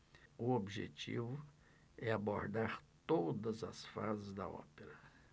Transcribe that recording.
o objetivo é abordar todas as fases da ópera